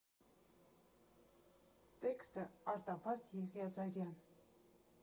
Տեքստը՝ Արտավազդ Եղիազարյան։